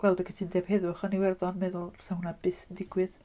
Gweld y cytundeb heddwch yn Iwerddon, meddwl 'sa hwnna byth yn digwydd.